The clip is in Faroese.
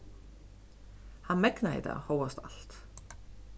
hann megnaði tað hóast alt